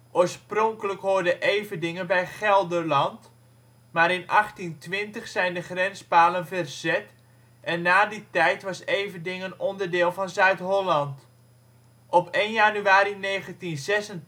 Oorspronkelijk hoorde Everdingen bij Gelderland, maar in 1820 zijn de grenspalen verzet, en na die tijd was Everdingen onderdeel van Zuid-Holland. Op 1 januari 1986